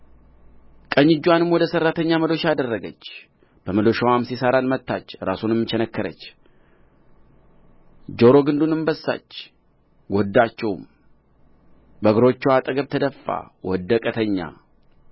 ቀኝ እጅዋንም ወደ ሠራተኛ መዶሻ አደረገች በመዶሻውም ሲሣራን መታች ራሱንም ቸነከረች ጆሮግንዱንም በሳች ጎዳችውም በእግሮችዋ አጠገብ ተደፋ ወደቀ ተኛ